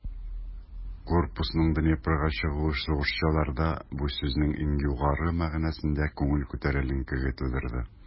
Корпусның Днепрга чыгуы сугышчыларда бу сүзнең иң югары мәгънәсендә күңел күтәренкелеге тудырды.